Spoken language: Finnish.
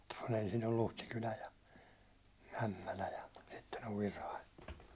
kun ensin on Luhtikylä ja Ämmälä ja sitten on Virai